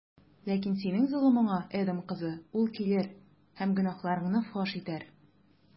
Ләкин синең золымыңа, Эдом кызы, ул килер һәм гөнаһларыңны фаш итәр.